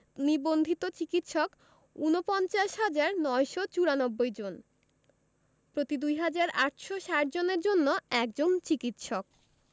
নিবন্ধিত চিকিৎসক ৪৯হাজার ৯৯৪ জন প্রতি ২হাজার ৮৬০ জনের জন্য একজন চিকিৎসক